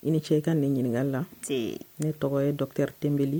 I ni ce i ka ne ɲininkaka la ne tɔgɔ ye dɔte tɛbele